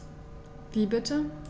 Wie bitte?